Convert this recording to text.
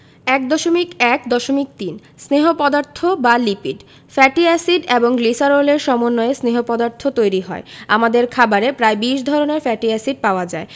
১.১.৩ স্নেহ পদার্থ বা লিপিড ফ্যাটি এসিড এবং গ্লিসারলের সমন্বয়ে স্নেহ পদার্থ তৈরি হয় আমাদের খাবারে প্রায় ২০ ধরনের ফ্যাটি এসিড পাওয়া যায়